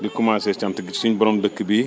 di commencé cant gi suñ borom dëkk bi